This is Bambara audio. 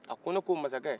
a ko ne ko masakɛ